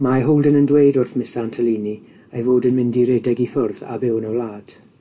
Mae Holden yn dweud wrth Mista Antolini ei fod yn mynd i redeg i ffwrdd a byw yn y wlad.